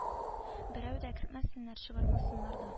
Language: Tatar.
Берәү дә кертмәсеннәр чыгармасыннар да